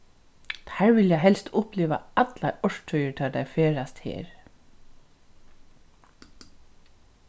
teir vilja helst uppliva allar árstíðir tá teir ferðast her